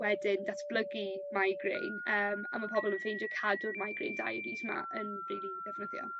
wedyn datblygu migraine yym a ma' pobol yn ffeindio cadw'r migraine diaries 'ma yn rili ddefnyddiol.